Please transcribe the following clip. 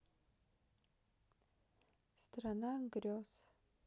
страна грез